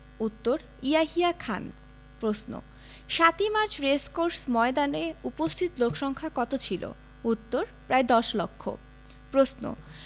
উত্তর ইয়াহিয়া খান প্রশ্ন ৭ই মার্চ রেসকোর্স ময়দানে উপস্থিত লোকসংক্ষা কত ছিলো উত্তর প্রায় দশ লক্ষ প্রশ্ন